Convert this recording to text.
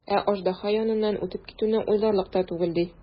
Ә аждаһа яныннан үтеп китүне уйларлык та түгел, ди.